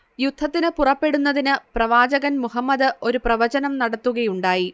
യുദ്ധത്തിന് പുറപ്പെടുന്നതിന് പ്രവാചകൻ മുഹമ്മദ് ഒരു പ്രവചനം നടത്തുകയുണ്ടായി